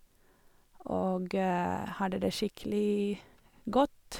Og hadde det skikkelig godt.